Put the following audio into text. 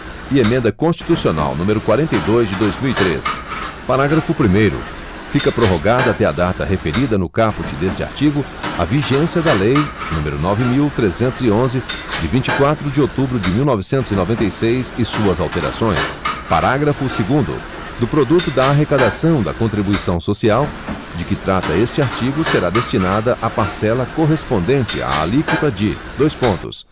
e emenda constitucional número quarenta e dois de dois mil e três parágrafo primeiro fica prorrogada até a data referida no caput deste artigo a vigência da lei número nove mil trezentos e onze de vinte e quatro de outubro de mil novecentos e noventa e seis e suas alterações parágrafo segundo do produto da arrecadação da contribuição social de que trata este artigo será destinada a parcela correspondente à alíquota de dois pontos